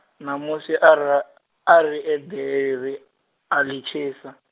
ṋamusi ara, ari eḓeli ri, ali tshisa.